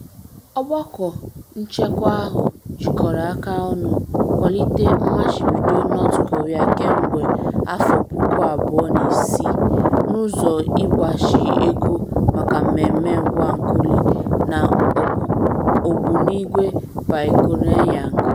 Ọgbakọ Nchekwa ahụ jikọrọ aka ọnụ kwalite mmachibido North Korea kemgbe 2006, n’ụzọ ịgbachi ego maka mmemme ngwa nuklịa na ogbunigwe Pyongyang.